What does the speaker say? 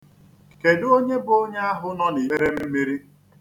Kedụ onye bụ onye ahụ nọ n'ikperemmiri?